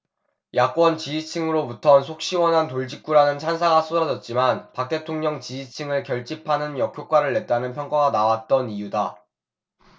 야권 지지층으로부턴 속시원한 돌직구라는 찬사가 쏟아졌지만 박 대통령 지지층을 결집하는 역효과를 냈다는 평가가 나왔던 이유다